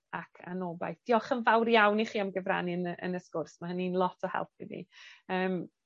ac anobaith. Diolch yn fawr iawn i chi am gyfrannu yn y yn y sgwrs. Ma' hynny'n lot o help i fi. yym.